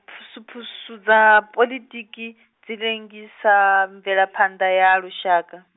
phusuphusu dza poḽitiki, dzi lengisa, mvelaphanḓa ya lushaka.